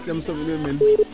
jam soom in way meen